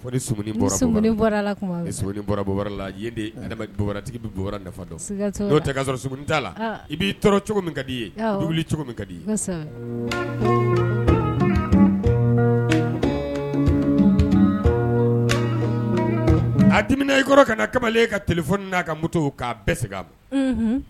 Bɔra latigi bɛ bɔ nafa tɛsɔrɔ t la i b'i cogo min ka di i ye cogo di i a dimina i kɔrɔ kana na kamalenlen ka tf n'a ka muso k'a bɛɛ segin a ma